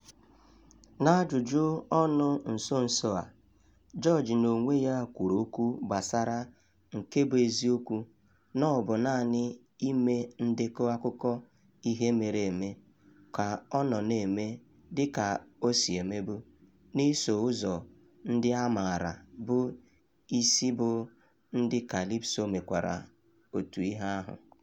N'ajụjụ ọnụ nso nso a, George n'onwe ya kwuru okwu gbasara nke bụ eziokwu na ọ bụ "naanị ime ndekọ akụkọ ihe mere eme" ka ọ nọ na-eme dị ka o "si emebu" n'iso ụzọ ndị a maara bụ isi bụ ndị kalịpso mekwara otu ihe ahụ.